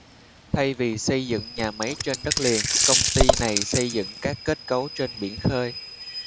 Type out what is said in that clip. thay vì xây dựng nhà máy trên đất liền công ty này xây dựng các kết cấu trên biển khơi